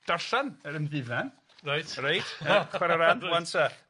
darllan yr ymddiddan reit reit ti moyn chware rhan rŵan ta.